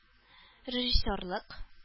Режиссерлык